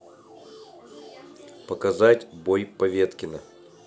показать бой поветкина